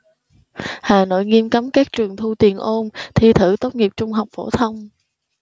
hà nội nghiêm cấm các trường thu tiền ôn thi thử tốt nghiệp trung học phổ thông